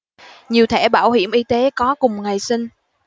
nhiều thẻ bảo hiểm y tế có cùng ngày sinh